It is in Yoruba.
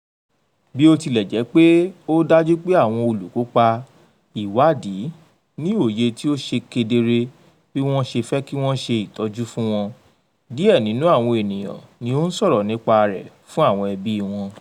Bí ó tilẹ̀ jẹ́ pé ó dájú pé àwọn olùkópa ìwáàdí ní òye tí ó ṣe kedere bí wọ́n ṣe fẹ́ kí wọ́n ṣe ìtọ́jú fún wọn, díẹ̀ Nínú àwọn ènìyàn ni ó ń sọ̀rọ̀ nípa rẹ̀ fún àwọn ẹbí wọn.